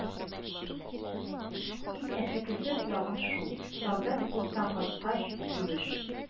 Иң әшәкесе тагын шул: солдат посттан кайткач, юеш